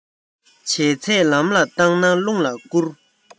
བྱས ཚད ལམ ལ བཏང ན རླུང ལ བསྐུར